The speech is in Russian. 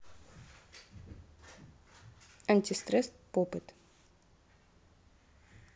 антистресс pop it